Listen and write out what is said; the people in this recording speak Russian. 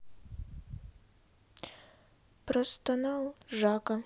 простонал жака